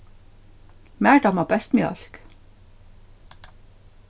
mær dámar best mjólk